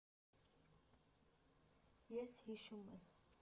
Ես հիշում եմ։